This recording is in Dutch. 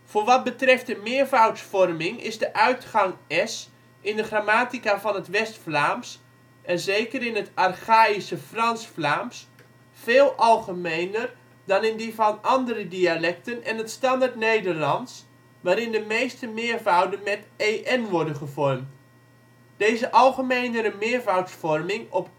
Voor wat betreft de meervoudsvorming is de uitgang – s in de grammatica van het West-Vlaams (en zeker in het archaïsche Frans-Vlaams) veel algemener dan in die van andere dialecten en het Standaardnederlands, waarin de meeste meervouden met – en worden gevormd. Deze algemenere meervoudsvorming op